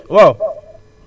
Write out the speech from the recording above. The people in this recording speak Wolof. waa ñu ngi lay sant